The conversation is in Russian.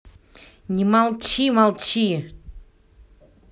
не молчи молчи